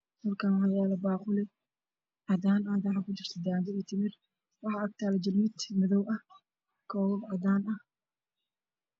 Halkaan waxaa yaalo baaquli cadaan ah waxaa kujirto timir iyo daango waxaa agyaalo jalmad madow iyo koob cadaan ah.